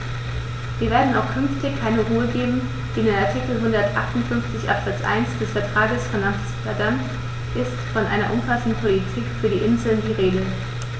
Wir werden auch künftig keine Ruhe geben, denn in Artikel 158 Absatz 1 des Vertrages von Amsterdam ist von einer umfassenden Politik für die Inseln die Rede.